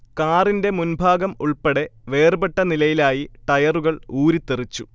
കാറിന്റെ മുൻഭാഗം ഉൾപ്പടെ വേർപെട്ട നിലയിലായി ടയറുകൾ ഊരിത്തെറിച്ചു